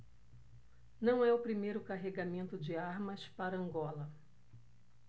não é o primeiro carregamento de armas para angola